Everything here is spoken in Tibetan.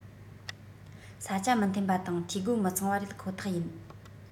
ས ཆ མི མཐུན པ དང འཐུས སྒོ མི ཚང བ རེད ཁོ ཐག ཡིན